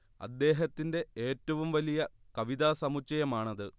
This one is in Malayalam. അദ്ദേഹത്തിന്റെ ഏറ്റവും വലിയ കവിതാ സമുച്ചയമാണത്